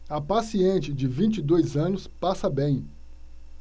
a paciente de vinte e dois anos passa bem